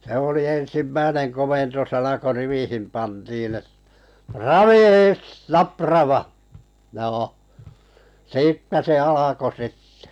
se oli ensimmäinen komentosana kun riviin pantiin että raviis naprava joo siitä se alkoi sitten